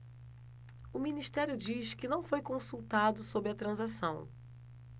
o ministério diz que não foi consultado sobre a transação